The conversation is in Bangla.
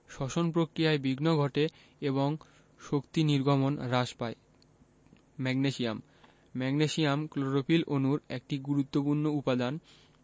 শ্বসন প্রক্রিয়ায় বিঘ্ন ঘটে এবং শক্তি নির্গমন হ্রাস পায় ম্যাগনেসিয়াম ম্যাগনেসিয়াম ক্লোরোফিল অণুর একটি গুরুত্বপুর্ণ উপাদান